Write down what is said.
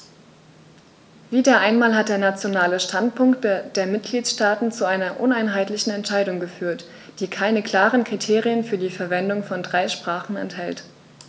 Wieder einmal hat der nationale Standpunkt der Mitgliedsstaaten zu einer uneinheitlichen Entscheidung geführt, die keine klaren Kriterien für die Verwendung von drei Sprachen enthält.